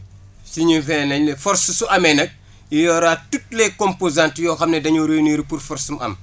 signifié nañ ne force su amee nag il y' aura toutes les composantes yoo xam ne dañoo réunir pour force am